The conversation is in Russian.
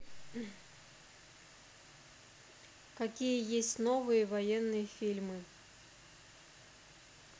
какие есть новые военные фильмы